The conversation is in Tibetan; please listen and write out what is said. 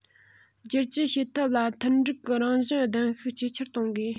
བསྒྱུར བཅོས བྱེད ཐབས ལ མཐུན འགྲིག གི རང བཞིན ལྡན ཤུགས ཇེ ཆེར གཏོང དགོས